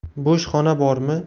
bo'sh xona bormi